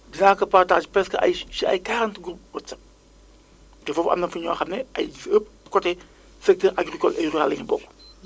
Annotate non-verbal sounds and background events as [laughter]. dinaa ko partager presque ay si ay quarante groupes Whatsapp te foofu am na fu ñoo xam ne ay fépp côté secteur agricole et rural la ñu bokk [noise]